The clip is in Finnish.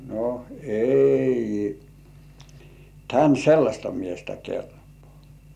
no ei tänne sellaista miestä kelpaa